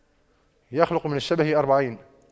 يخلق من الشبه أربعين